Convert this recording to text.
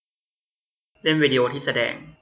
เล่นวิดีโอที่แสดง